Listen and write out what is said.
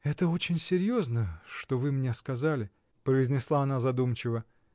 — Это очень серьезно, что вы мне сказали! — произнесла она задумчиво.